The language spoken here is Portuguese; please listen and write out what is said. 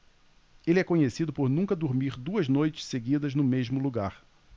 ele é conhecido por nunca dormir duas noites seguidas no mesmo lugar